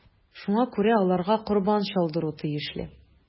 Шуңа күрә аларга корбан чалдыру тиешле.